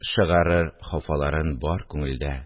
Шыгарыр хафаларын бар күңелдә